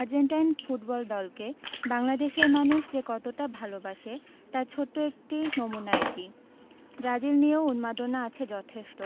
Argentine football দলকে বাংলাদেশের মানুষ যে কতটা ভালোবাসে তার ছোট্ট একটা নমুনা এটি ব্রাজিল নিয়েও উন্মাদনা আছে যথেষ্ট